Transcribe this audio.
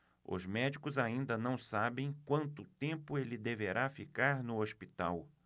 os médicos ainda não sabem quanto tempo ele deverá ficar no hospital